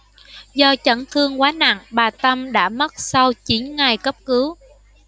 do chấn thương qua nặng bà tâm đã mất sau chín ngày cấp cứu